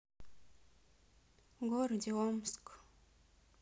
городе омск